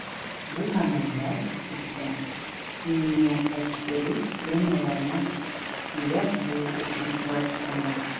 Бу гамәлләр исә иминиятләштерү премияләренә ия булу өчен шулай эшләнгән.